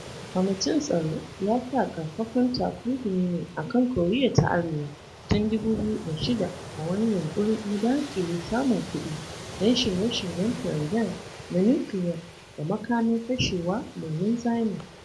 Kwamitin Tsaro ya sa ƙarfafan takunkumi ne a kan Koriya ta Arewa tun 2006 a wani yinƙuri na daƙile samun kuɗi don shirye-shiryen Pyongyang na nukiliya da makamin fashewa mai linzami.